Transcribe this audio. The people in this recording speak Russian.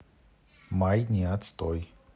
майни отстой